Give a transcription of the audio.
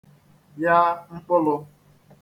ya mkpūlū